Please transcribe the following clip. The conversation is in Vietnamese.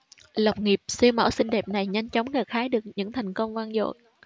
lập nghiệp siêu mẫu xinh đẹp này nhanh chóng gặt hái được những thành công vang dội